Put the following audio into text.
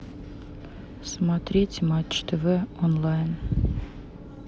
смотреть матч тв онлайн